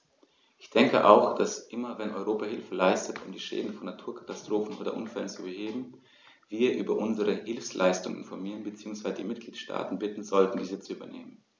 Ich denke auch, dass immer wenn Europa Hilfe leistet, um die Schäden von Naturkatastrophen oder Unfällen zu beheben, wir über unsere Hilfsleistungen informieren bzw. die Mitgliedstaaten bitten sollten, dies zu übernehmen.